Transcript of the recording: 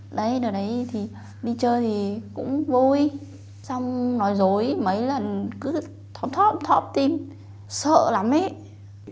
đấy đợt đấy thì đi chơi thì cũng vui song nói dối mấy lần cứ thon thót tim sợ lắm mẹ